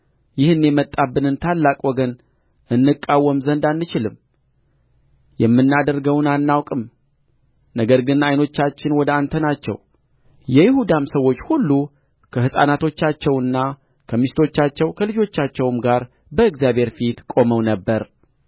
ይህን የመጣብንን ታላቅ ወገን እንቃወም ዘንድ አንችልም የምናደርገውንም አናውቅም ነገር ግን ዓይኖቻችን ወደ አንተ ናቸው የይሁዳም ሰዎች ሁሉ ከሕፃናቶቻቸውና ከሚስቶቻቸው ከልጆቻቸውም ጋር በእግዚአብሔር ፊት ቆመው ነበር